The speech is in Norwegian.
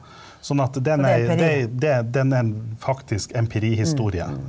sånn at den er i det er i det er den er en faktisk empirihistorie.